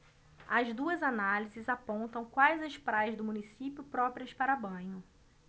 as duas análises apontam quais as praias do município próprias para banho